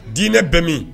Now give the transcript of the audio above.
Diinɛ bɛ min